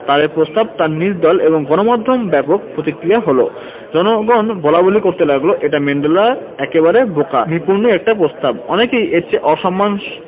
তাঁর এ প্রস্তাবে তাঁর নিজ দল এবং গণমাধ্যমে ব্যাপক প্রতিক্রিয়া হলো জনগণ বলাবলি করতে লাগল এটা ম্যান্ডেলার একেবারে বোকামিপূর্ণ একটা প্রস্তাব অনেকে এর চেয়ে অসম্মান